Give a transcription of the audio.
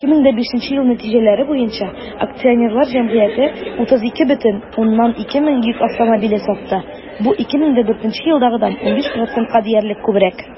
2005 ел нәтиҗәләре буенча акционерлар җәмгыяте 32,2 мең йөк автомобиле сатты, бу 2004 елдагыдан 15 %-ка диярлек күбрәк.